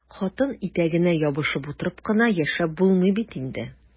Хатын итәгенә ябышып утырып кына яшәп булмый бит инде!